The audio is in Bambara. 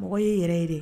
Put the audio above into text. Mɔgɔ ye i yɛrɛ ye dɛ